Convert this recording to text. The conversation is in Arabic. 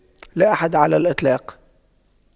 لا أحد على الإطلاق